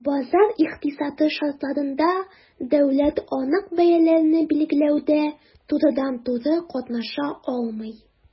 Базар икътисады шартларында дәүләт анык бәяләрне билгеләүдә турыдан-туры катнаша алмый.